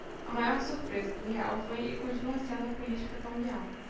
a maior surpresa do real foi e continua sendo a política cambial